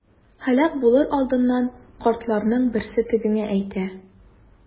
Һәлак булыр алдыннан картларның берсе тегеңә әйтә.